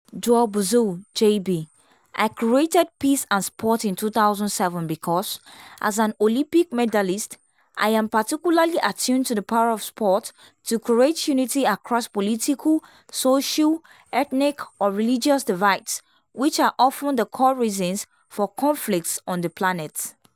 Joël Bouzou (JB): I created Peace and Sport in 2007 because, as an Olympic medalist, I am particularly attuned to the power of sport to create unity across political, social, ethnic or religious divides, which are often the core reasons for conflicts on the planet.